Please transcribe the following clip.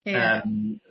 Ia. Yym.